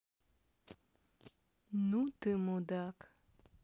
ну ты мудак